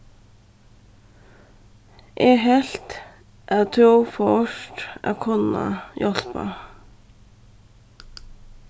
eg helt at tú fórt at kunna hjálpa